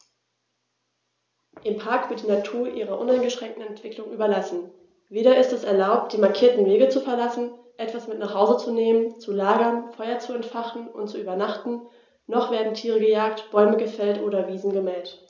Im Park wird die Natur ihrer uneingeschränkten Entwicklung überlassen; weder ist es erlaubt, die markierten Wege zu verlassen, etwas mit nach Hause zu nehmen, zu lagern, Feuer zu entfachen und zu übernachten, noch werden Tiere gejagt, Bäume gefällt oder Wiesen gemäht.